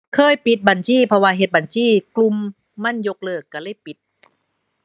เคยปิดบัญชี เพราะว่าเฮ็ดบัญชีกลุ่ม มันยกเลิกก็เลยปิด